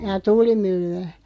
jaa tuulimyllyä